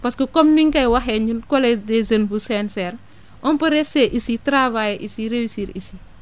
parce que comme niñ koy waxee ñun collège des jeunes bu CNCR on peut rester ici travailler ici réussir ici